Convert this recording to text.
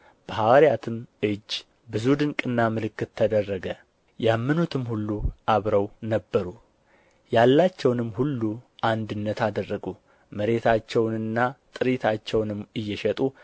በሐዋርያትም እጅ ብዙ ድንቅና ምልክት ተደረገ ያመኑትም ሁሉ አብረው ነበሩ ያላቸውንም ሁሉ አንድነት አደረጉ መሬታቸውንና ጥሪታቸውንም እየሸጡ